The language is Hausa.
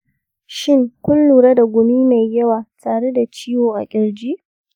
shin, kun lura da gumi mai yawa tare da ciwo a kirji?